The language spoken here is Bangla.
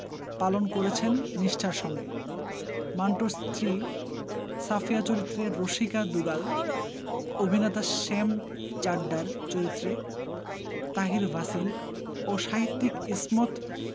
পালন করেছেন নিষ্ঠার সঙ্গে মান্টোর স্ত্রী সাফিয়া চরিত্রে রসিকা দুগাল অভিনেতা শ্যাম চাড্ডার চরিত্রে তাহির ভাসিন ও সাহিত্যিক ইসমত